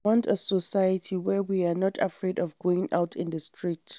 We want a society where we are not afraid of going out in the street!